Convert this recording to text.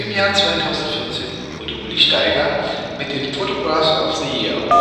Jahr 2014 wurde Uli Staiger mit dem „ Photographer of the Year